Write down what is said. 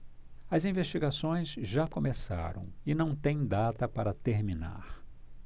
as investigações já começaram e não têm data para terminar